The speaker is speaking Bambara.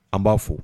An b'a fo